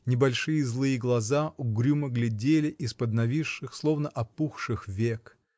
небольшие злые глаза угрюмо глядели из-под нависших, словно опухших век